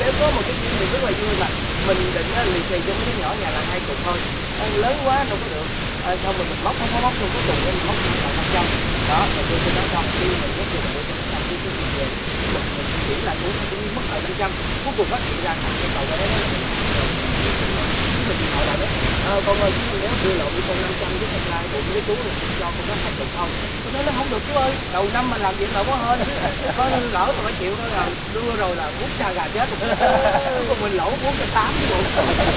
béo có một cái kỷ niệm rất là vui là mình định lì xì cho mấy đứa nhỏ nhà là hai chục thôi à lớn quá đâu có được xong mình móc móc móc móc xong cuối cùng mình móc sao tờ năm trăm đó mình đưa cho nó xong kí mình nhét dô mình đưa cho nó xong ký mình về kí mình mình kiểm lại ủa sao tự nhiên mất tờ năm trăm cuối cùng phát hiện ra à kí cậu bé đó là mình tặng rồi mình lì xì rồi kí mình điện thoại lại nói ơ con ơi chú minh béo đưa lộn cho con năm trăm chứ thật ra bụng của chú là chỉ cho con có hai chục thôi cái nó nói hông được chú ơi đầu năm mà làm dậy là không có hên thôi lỡ rồi phải chịu thôi đưa rồi là bút sa gà chết cuối cùng mình lỗ bốn trăm tám chứ bộ